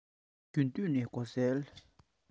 རྒྱུན དུ ནས གོ གསལ